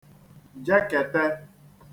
jekete